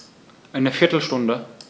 Eine viertel Stunde